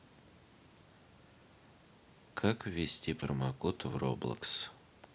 как ввести промокод в roblox